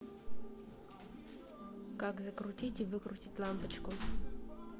как закрутить и выкрутить лампочку